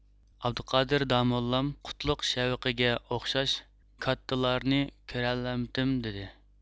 ئابدۇقادىر داموللام قۇتلۇق شەۋقىگە ئوخشاش كاتتىلارنى كۆرەلەمتىم دېدى